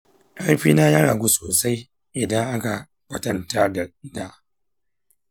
ƙarfina ya ragu sosai idan aka kwatanta da da.